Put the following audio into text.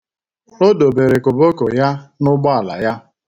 O dobere koboko ya n'ụgbọala ya.